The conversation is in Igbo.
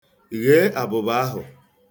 Ghee abụba ahụ.